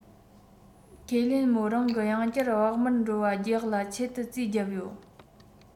ཁས ལེན མོའི རང གི ཡང བསྐྱར བག མར འགྲོ བ རྒྱག ལ ཆེད དུ རྩིས བརྒྱབ ཡོད